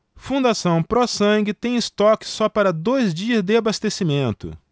fundação pró sangue tem estoque só para dois dias de abastecimento